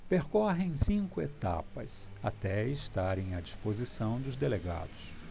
percorrem cinco etapas até estarem à disposição dos delegados